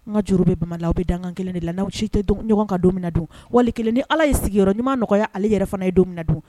N ka juru bɛ bama la aw bɛ dangan kelen de la n'aw si tɛ ɲɔgɔn kan don min na dun wali kelen ni Ala ye sigiyɔrɔ ɲuman nɔgɔya ale yɛrɛ fana ye don min na dun